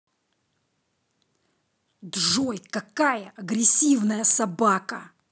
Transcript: джой какая агрессивная собака